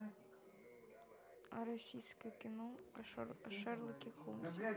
а российское кино о шерлоке холмсе